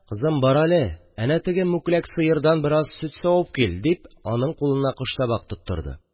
– кызым, бар әле, әнә теге мүкләк сыердан бераз сөт савып кил, – дип, аның кулына коштабак тоттырды.